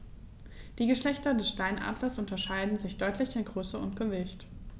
Die Geschlechter des Steinadlers unterscheiden sich deutlich in Größe und Gewicht.